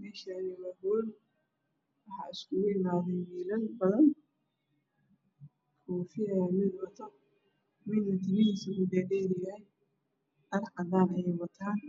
Meeshaani waa hool waxaa iskugu imaaday wiilal badan koofiyad mid wato timiihisa dheedheer yahay dhar cadaan ayey wataan